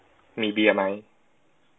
มีเบียร์ไหม